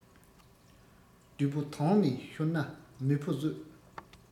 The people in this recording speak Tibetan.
བདུད པོ དོང ནས ཤོར ན མི ཕོ གསོད